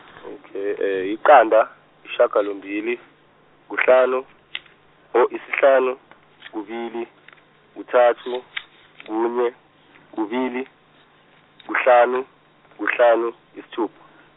ok yiqanda, isishagalombili, kuhlanu oh isihlanu kubili kuthathu kune kubili kuhlanu kuhlanu isithupha.